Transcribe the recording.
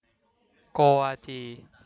โกวาจี